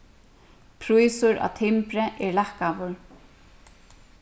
prísur á timbri er lækkaður